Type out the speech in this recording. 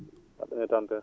mbaddu?on e tampere